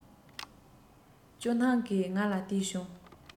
སྐྱོ སྣང གིས ང ལ བལྟས བྱུང